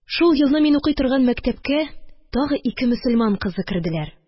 Шул елны мин укый торган мәктәпкә тагы ике мөселман кызы керделәр.